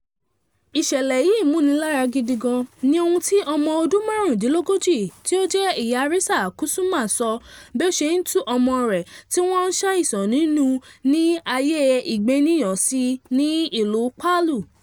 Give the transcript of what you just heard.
“Ìṣẹ̀lẹ̀ yìí múnilára gidi gan” ni ohun tí ọmọ ọdún márùndínlógójì tí ó jẹ́ ìyá Risa Kusuma sọ bí ó ṣe ń tu ọmọ rẹ̀ tí wọ́n ń ṣàìsàn nínú ní àyè ìgbénìyàn sí ní ìlú Palu.